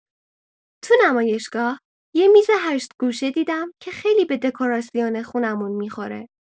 تو نمایشگاه یه میز هشت‌گوش دیدم که خیلی به دکوراسیون خونه‌مون می‌خوره.